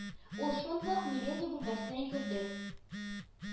Ул шундук миледи бүлмәсенә йөгерде